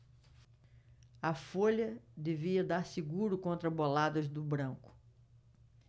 a folha devia dar seguro contra boladas do branco